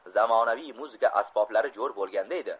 zamonaviy muzika asboblari jo'r bo'lganda edi